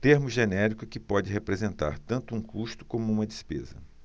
termo genérico que pode representar tanto um custo como uma despesa